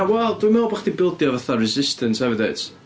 Wel, dwi'n meddwl bod chdi'n bildio fatha resistance hefyd, wyt.